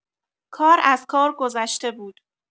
کار از کار گذشته بود.